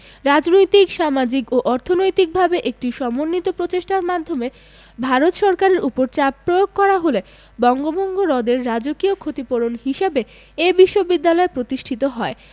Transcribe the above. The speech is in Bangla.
রাজনৈতিক সামাজিক ও অর্থনৈতিকভাবে একটি সমন্বিত প্রচেষ্টার মাধ্যমে ভারত সরকারের ওপর চাপ প্রয়োগ করা হলে বঙ্গভঙ্গ রদের রাজকীয় ক্ষতিপূরণ হিসেবে এ বিশ্ববিদ্যালয় প্রতিষ্ঠিত হয়